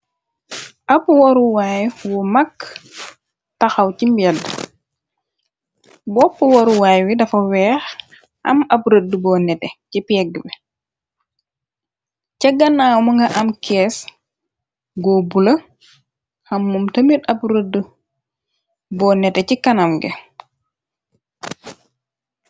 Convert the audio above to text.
Ab waruwaay woo mag tahaw ci mbedd, boppu waruwaay wi dafa weeh am ab rëdd boo nete ci pegg bi. cha ganaaw mu nga am kees goo bula hammum tamit ab rëdd boo nete ci kanam gi.